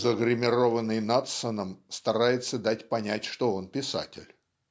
"загриммированный Надсоном старается дать понять что он писатель".